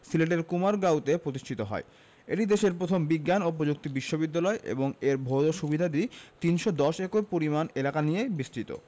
সিলেটের কুমারগাঁওতে প্রতিষ্ঠিত হয় এটি দেশের প্রথম বিজ্ঞান ও প্রযুক্তি বিশ্ববিদ্যালয় এবং এর ভৌত সুবিধাদি ৩১০ একর পরিমাণ এলাকা নিয়ে বিস্তৃত